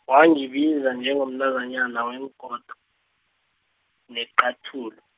wangibiza njengomntazanyana weenketo, neqathula.